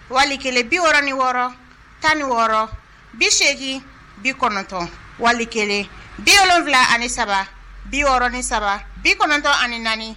Wali kelen biɔrɔn ni wɔɔrɔ tan ni wɔɔrɔ bi8egin bi kɔnɔntɔn wali kelen biɔrɔnwula ani saba biɔrɔn ni saba bi kɔnɔntɔn ani naani